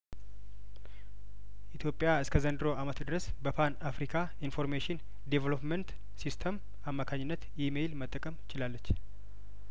ኢትዮጵያእስከዘንድሮው አመት ድረስ በፓን አፍሪካ ኢንፎርሜሽን ዴቨሎፕመንት ሲስተም አማካኝነት ኢሜይል መጠቀምችላለች